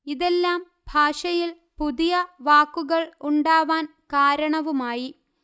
ഇതെല്ലാം ഭാഷയിൽ പുതിയ വാക്കുകൾ ഉണ്ടാവാൻ കാരണവുമായി